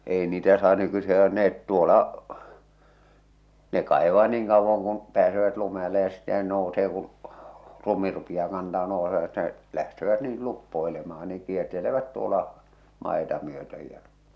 ei niitä saa nykyisin hakata ne tuolla ne kaivaa niin kauan kuin pääsevät lumen alle ja sitten ne nousee kun lumi rupeaa kantamaan nousevat ne lähtevät niin luppoilemaan niin kiertelevät tuolla maita myöten ja